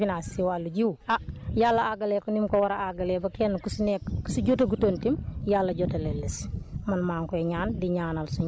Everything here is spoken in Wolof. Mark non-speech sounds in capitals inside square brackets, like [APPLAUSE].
ba nga xam ne lii nga xam ne moom ngeen fi financer si wàllu jiw ah yàlla àggale ko nim ko war a àggalee ba kenn ku si nekk [NOISE] ku si jotagutoon tam yàlla jottaleel la si